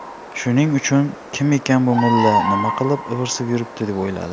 shuning uchun kim ekan bu mulla nima qilib ivirsib yuribdi deb o'yladi